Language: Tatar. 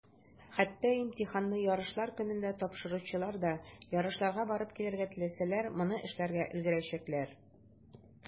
Хәтта имтиханны ярышлар көнендә тапшыручылар да, ярышларга барып килергә теләсәләр, моны эшләргә өлгерәчәкләр.